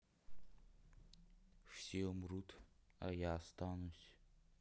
все умрут а я останусь